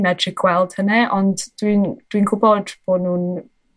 medru gweld hynny, ond dwi'n dwi'n gwbod bo' nw'n